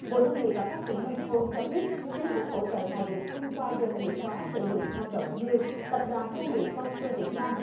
bộ nông nghiệp và phát triển nông thôn cho biết chính sách hỗ trợ này được thông qua doanh nghiệp có sử dụng lao động như tập đoàn công nghiệp cao su việt nam